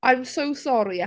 I'm so sorry,